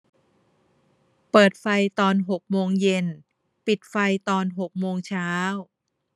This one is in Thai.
เปิดไฟตอนหกโมงเย็นปิดไฟตอนหกโมงเช้า